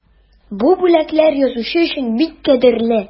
Бу бүләкләр язучы өчен бик кадерле.